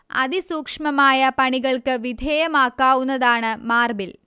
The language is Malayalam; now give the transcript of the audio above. അതിസൂക്ഷ്മമായ പണികൾക്ക് വിധേയമാക്കാവുന്നതാണ് മാർബിൽ